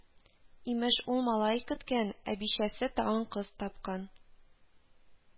Имеш, ул малай көткән, ә бичәсе тагын кыз тапкан